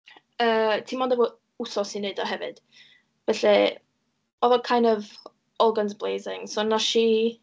Yy, ti mond efo wsos i wneud o hefyd, felly oedd o kind of all guns blazing. So wnes i...